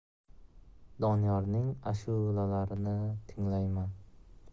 doniyorning ashulalarini tinglayman